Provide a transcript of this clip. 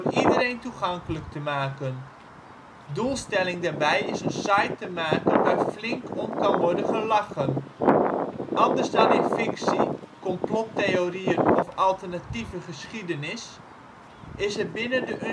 iedereen toegankelijk te maken. Doelstelling daarbij is een site te maken waar flink om kan worden gelachen. Anders dan in fictie, complottheorieën of alternatieve geschiedenis is er binnen